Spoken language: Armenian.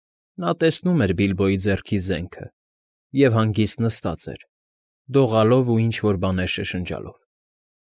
Նա տեսնում էր Բիլբոյի ձեռքի զենքը և հանգիստ նստած էր՝ դողալով ու ինչ֊որ բաներ շշնջալով։